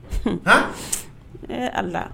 Han, ee Ala